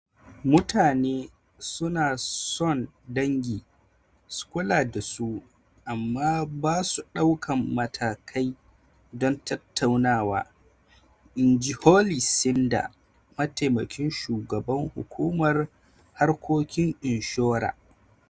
"Mutane su na son dangi su kula da su, amma ba su daukan matakai don tattaunawa," in ji Holly Snyder, Mataimakin Shugaban Hukumar Harkokin inshura.